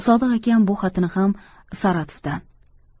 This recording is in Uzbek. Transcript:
sodiq akam bu xatini ham saratovdan